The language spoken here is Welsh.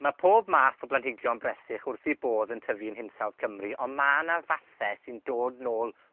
Ma' pob math o blanhigion bresych wrth 'i bodd yn tyfu yn hinsawdd Cymru, ond ma' 'na fathe sy'n dod nôl